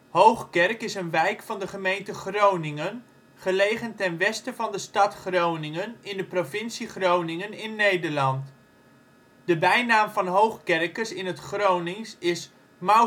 Hoogkerk is een wijk van de gemeente Groningen, gelegen ten westen van de stad Groningen in de provincie Groningen in Nederland. De bijnaam van Hoogkerkers in het Gronings is Mouskoolstronken